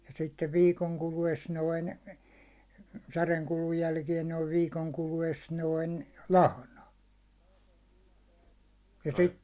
ja sitten viikon kuluessa noin särjen kudun jälkeen noin viikon kuluessa noin lahna ja -